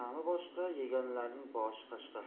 boshqa yeganlarning boshi qashqa